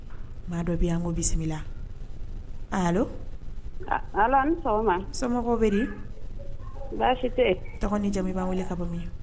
Maa dɔ bɛ ko bisimila so bɛ baasi tɛ ni jamu b'a wele ka